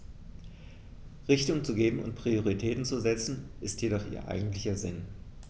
Richtung zu geben und Prioritäten zu setzen, ist jedoch ihr eigentlicher Sinn.